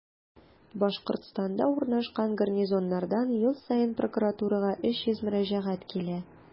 Башкортстанда урнашкан гарнизоннардан ел саен прокуратурага 300 мөрәҗәгать килә.